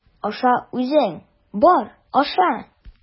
Аша үзең, бар, аша!